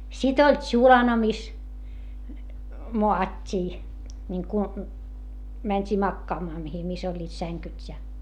sitten oli tsulana missä maattiin niin kuin mentiin makaamaan mihin missä olivat sängyt ja